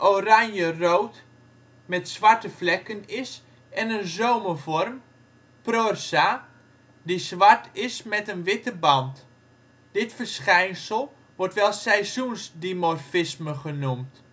oranjerood met zwarte vlekken is en een zomervorm prorsa die zwart is met een witte band. Dit verschijnsel wordt wel seizoensdimorfisme genoemd